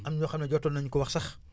am yoo xam ne jotoon nañu ko wax sax